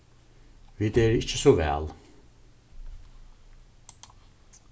vit eru ikki so væl